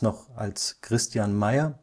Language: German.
noch als Christian Mayer)